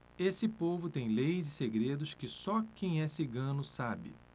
esse povo tem leis e segredos que só quem é cigano sabe